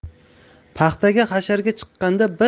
paxtaga hasharga chiqqanda